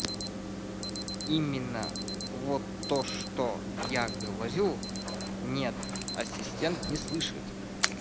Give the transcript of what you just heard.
именно вот то что я говорю нет ассистент не слышит